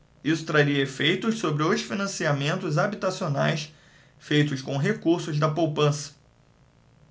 isso traria efeitos sobre os financiamentos habitacionais feitos com recursos da poupança